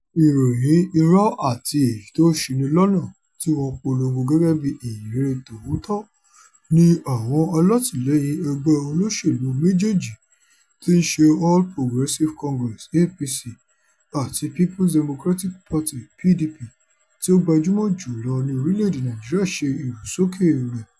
Ìròyìn irọ́ àti èyí tó ń ṣinilọ́nà tí wọ́n polongo gẹ́gẹ́ bí ìhìn rere tòótọ́, ni àwọn alátìlẹ́yìn ẹgbẹ́ olóṣèlú méjèèjì tí ń ṣe All Progressive Congress (APC) àti People's Democratic Party (PDP) tí ó gbajúmọ̀ jù lọ ní orílẹ̀-èdèe Nàìjíríà ṣe ìrúsókè rẹ̀.